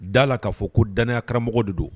Da la k'a fɔ ko danya karamɔgɔ de don